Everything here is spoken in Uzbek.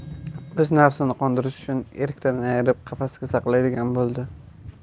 o'z nafsini qondirish uchun erkdan ayirib qafasda saqlaydigan bo'ldi